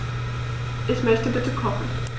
Ich möchte bitte kochen.